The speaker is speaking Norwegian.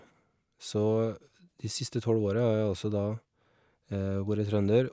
Så de siste tolv åra har jeg altså da vore trønder.